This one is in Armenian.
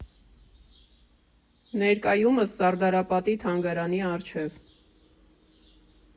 Ներկայումս՝ Սարդարապատի թանգարանի առջև։